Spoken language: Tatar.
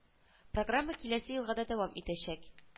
Программа киләсе елга да дәвам итәчәк